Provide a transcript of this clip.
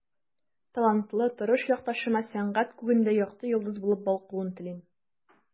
Талантлы, тырыш якташыма сәнгать күгендә якты йолдыз булып балкуын телим.